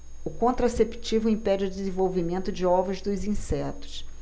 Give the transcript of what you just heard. o contraceptivo impede o desenvolvimento de ovos dos insetos